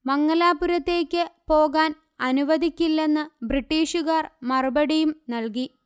മംഗലാപുരത്തേക്ക് പോകാൻ അനുവദിക്കില്ലെന്ന് ബ്രിട്ടീഷുകാർ മറുപടിയും നൽകി